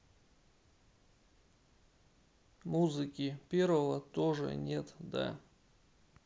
музыки первого тоже нет да